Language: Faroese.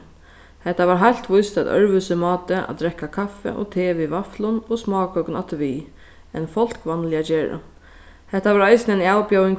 hetta var heilt víst eitt øðrvísi máti at drekka kaffi og te við vaflum og smákøkum afturvið enn fólk vanliga gera hetta var eisini ein avbjóðing